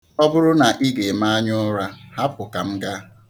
Ọ bụrụ na ị ga-eme anyaụra, hapụ ka m gaa.